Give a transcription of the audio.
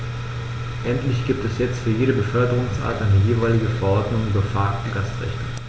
Endlich gibt es jetzt für jede Beförderungsart eine jeweilige Verordnung über Fahrgastrechte.